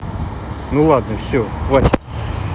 ну ладно все хватит